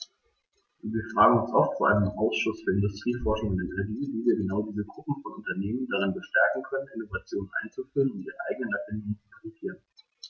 Wir fragen uns oft, vor allem im Ausschuss für Industrie, Forschung und Energie, wie wir genau diese Gruppe von Unternehmen darin bestärken können, Innovationen einzuführen und ihre eigenen Erfindungen zu patentieren.